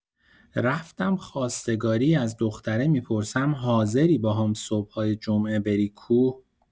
رفتم خواستگاری از دختره می‌پرسم حاضری باهام صبح‌های جمعه بری کوه؟